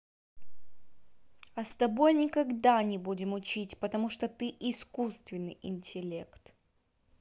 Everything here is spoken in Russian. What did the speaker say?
а с тобой никогда не будем учить потому что ты искусственный интеллект